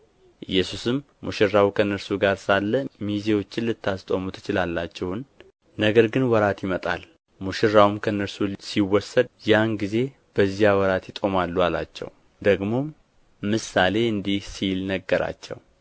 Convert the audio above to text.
ኢየሱስም ሙሽራው ከእነርሱ ጋር ሳለ ሚዜዎችን ልታስጦሙ ትችላላችሁን ነገር ግን ወራት ይመጣል ሙሽራውም ከእነርሱ ሲወሰድ ያንጊዜ በዚያ ወራት ይጦማሉ አላቸው ደግሞም ምሳሌ እንዲህ ሲል ነገራቸው